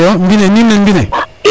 iyo mbine niim ne mbine